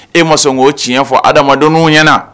E man sɔn k'o tiɲɛ fɔ adamadeninw ɲɛna.